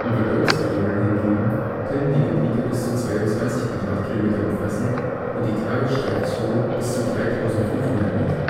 Gebirgsregionen hingegen können die Gebiete bis zu 22 km2 umfassen und die Tagesstreifzüge bis zu 3500 Meter